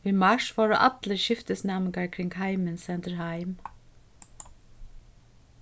í mars vóru allir skiftisnæmingar kring heimin sendir heim